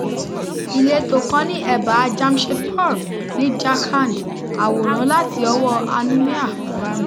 Ìletò kan ní ẹ̀báa Jamshedpur ní Jharkhand. Àwòrán láti ọwọ́ọ Anumeha Verma